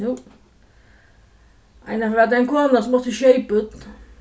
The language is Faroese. einaferð var tað ein kona sum átti sjey børn